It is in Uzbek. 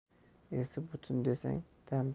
esi butun desang dam